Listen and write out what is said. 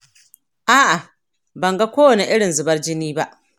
a'a, banga kowane irin zubar jini ba